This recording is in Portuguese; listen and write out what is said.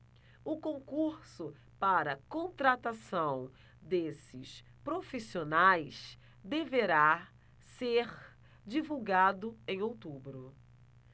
o concurso para contratação desses profissionais deverá ser divulgado em outubro